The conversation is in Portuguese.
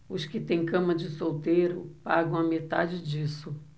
os que têm cama de solteiro pagam a metade disso